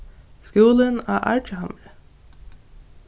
skúlin á argjahamri